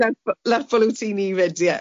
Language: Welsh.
Le- Lerpwl yw tîm ni 'fyd ie.